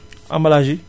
emballages yi